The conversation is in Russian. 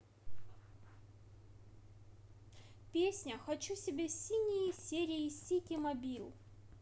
песня хочу себе синие серии ситимобил